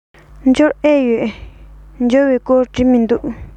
འབྱོར ཨེ ཡོད འབྱོར བའི སྐོར བྲིས མི འདུག